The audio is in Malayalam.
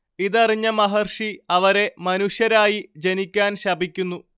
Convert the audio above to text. ഇതറിഞ്ഞ മഹർഷി അവരെ മനുഷ്യരായി ജനിക്കാൻ ശപിക്കുന്നു